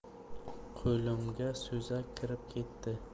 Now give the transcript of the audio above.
qo'limga so'zak kirib ketdi